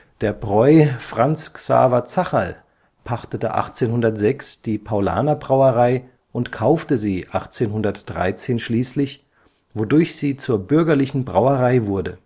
Der Bräu Franz Xaver Zacherl (* 1772; † 1849) pachtete 1806 die Paulanerbrauerei und kaufte sie 1813 schließlich, wodurch sie zur bürgerlichen Brauerei wurde